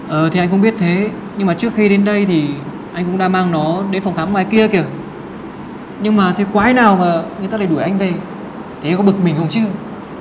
ừ thì anh cũng biết thế nhưng mà trước khi đến đây thì anh cũng đã mang nó đến phòng khám ngoài kia kìa nhưng mà thế quái nào mà người ta lại đuổi anh về thế có bực mình không chứ